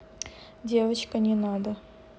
девочка не надо